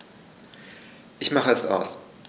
Ich mache es aus.